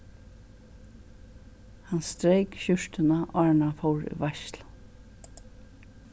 hann streyk skjúrtuna áðrenn hann fór í veitslu